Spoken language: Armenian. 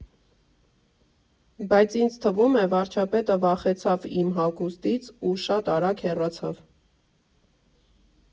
Բայց ինձ թվում է՝ վարչապետը վախեցավ իմ հագուստից ու շատ արագ հեռացավ։